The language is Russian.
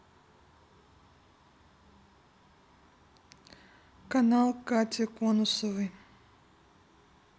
канал кати конусовой